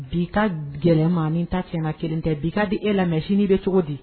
Bi ka gɛlɛyama ni ta sen ka kelen tɛ bi ka di e la mɛ sini bɛ cogo di